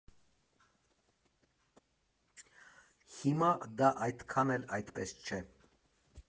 Հիմա դա այդքան էլ այդպես չէ։